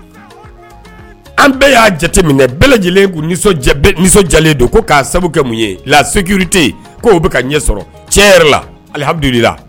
An bɛɛ y'a jateminɛ bɛɛ lajɛlen nisɔn sabu mun ɲɛ sɔrɔ cɛ alidu